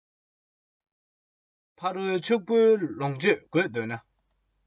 ཕྱི མ འགྲོ བའི ལམ ལ ཐོན ཆོག གྱིས